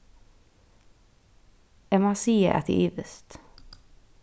eg má siga at eg ivist